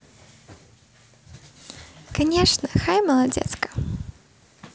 конечно хай молодец ка